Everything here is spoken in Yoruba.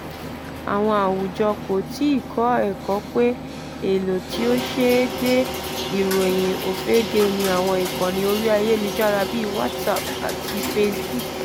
Àwọn àwùjọ kò tíì kọ́ ẹ̀kọ́ pé èlò tí ó ṣe é gbé ìròyìn òfegè ni àwọn ìkànnì orí ayélujára bíi WhatsApp àti Facebook.